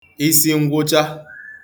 isingwụcha